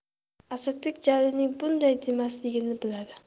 asadbek jalilning bunday demasligini biladi